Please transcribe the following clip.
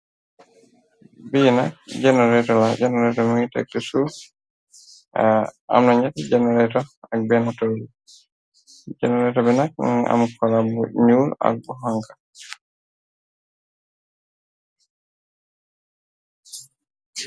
Bii nak genorato la genorato mingi teg ci suuf am na ñett generato ak benntorb generato bi nak n am kolabu nuul ak bu honka.